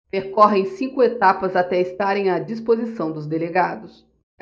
percorrem cinco etapas até estarem à disposição dos delegados